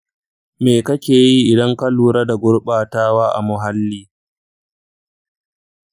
me kake yi idan ka lura da gurɓatawa a muhalli